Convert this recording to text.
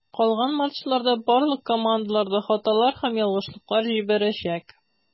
Калган матчларда барлык командалар да хаталар һәм ялгышлыклар җибәрәчәк.